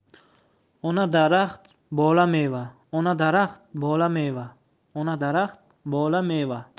ona daraxt bola meva